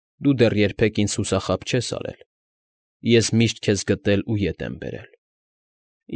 Դու դեռ երբեք ինձ հուսախաբ չես արել, ես միշտ քեզ գտել ու ետ եմ բերել։